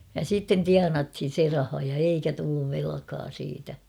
ja sitten tienattiin se raha ja eikä tullut velkaa siitä